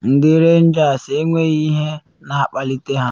Ndị Rangers enweghị ihe na akpalite ha.